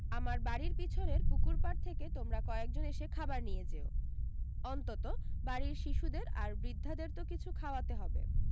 আমার বাড়ীর পিছনের পুকুরপাড় থেকে তোমরা কয়েকজন এসে খাবার নিয়ে যেও অন্তত বাড়ীর শিশুদের আর বৃদ্ধাদের তো কিছু খাওয়াতে হবে